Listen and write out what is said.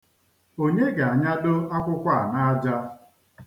Onye ga-anyado akwụkwọ a n'aja?